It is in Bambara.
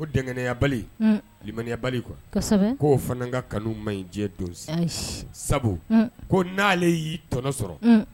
Ko dgya baliyabali kuwa k'o fana ka kanu ma ɲi jɛ don sabu ko n'ale y'i tɔnɔ sɔrɔ